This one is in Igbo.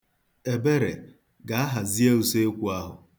Ebere, gaa, hazie usoekwu ahụ.